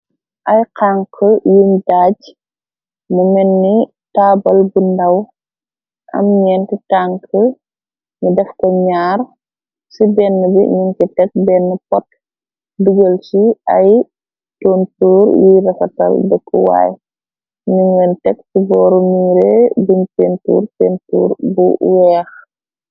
Ay xank yum daaj mu menni taabal bu ndaw am ñenti tank ni defka iiar ci benn bi ninki tek benn pot dugel si ay tontur yuy refatal dëkkuwaay ninen tek ci booru mire biñ pentur pentur bu weex.